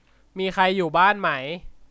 มีใครอยู่บ้านไหม